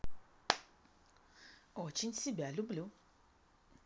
очень себя люблю